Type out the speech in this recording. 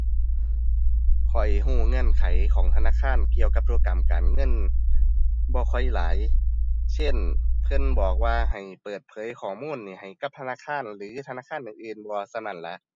ข้อยรู้เงื่อนไขธนาคารเกี่ยวกับธุรกรรมการเงินบ่ค่อยหลาย เช่น เพิ่นบอกว่าให้เปิดเผยข้อมูลนี้ให้กับธนาคารหรือธนาคารอื่นอื่นบ่ ส่ำนั้นล่ะ